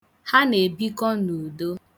Ha na-ebikọ n' udo.